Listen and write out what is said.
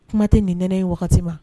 Kuma tɛ nin neɛnɛ ye wagati ma